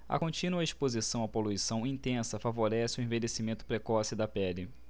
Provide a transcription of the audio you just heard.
a contínua exposição à poluição intensa favorece o envelhecimento precoce da pele